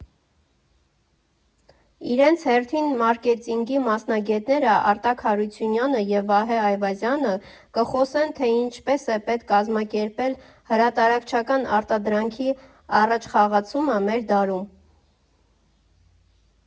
Իրենց հերթին, մարկետինգի մասնագետները Արտակ Հարությունյանն ու Վահե Այվազյանը կխոսեն, թե ինչպես է պետք կազմակերպել հրատարակչական արտադրանքի առաջխղացումը մեր դարում։